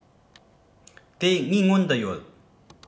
དེ ངའི སྔོན དུ ཡོད